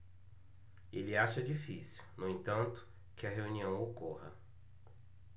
ele acha difícil no entanto que a reunião ocorra